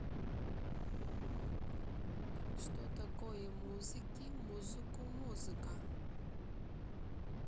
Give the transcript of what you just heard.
что такое музыки музыку музыка